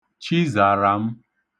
Chizàràm